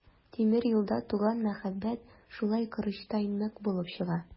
Тимер юлда туган мәхәббәт шулай корычтай нык булып чыга.